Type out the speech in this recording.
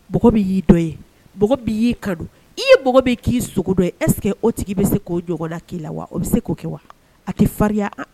Y'i dɔn ye y'i ka i ye bɛ k'i sogo don ɛsseke o tigi bɛ se k'o j la k'i la wa o bɛ se k'o kɛ wa a tɛ fa